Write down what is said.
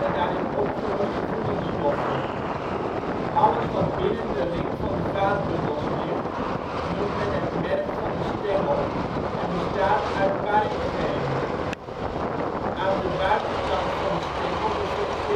daarin opgeloste voedingsstoffen. Alles wat binnen de ring van de vaatbundels ligt, noemt men het merg van de stengel en bestaat uit parenchym. Aan de buitenkant van de stengel bevindt